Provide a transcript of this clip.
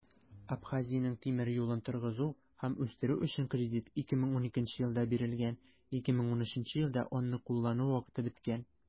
Абхазиянең тимер юлын торгызу һәм үстерү өчен кредит 2012 елда бирелгән, 2013 елда аны куллану вакыты беткән.